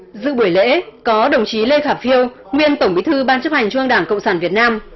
dự buổi lễ có đồng chí lê khả phiêu nguyên tổng bí thư ban chấp hành trung ương đảng cộng sản việt nam